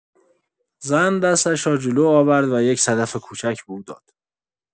زن دستش را جلو آورد و یک صدف کوچک به او داد.